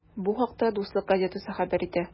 Бу хакта “Дуслык” газетасы хәбәр итә.